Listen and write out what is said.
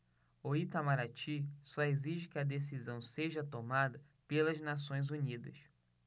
o itamaraty só exige que a decisão seja tomada pelas nações unidas